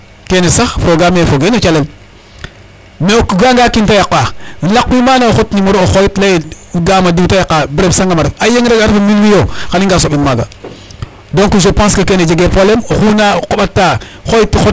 Kene sax foogaam ee fogee no calel ke .O ga'anga o kiin ta yaqa laqwi maana o xot numero o xoyit lay ee ga'aam a diw ta yaqaa mbit bereb sangam a ref yeng a refanga minuit yo xan i ngar soɓin maaga. Donc je pense que kene jegeae problème oxu na xoɓata xooyti xotu téléphone ole o xoyit.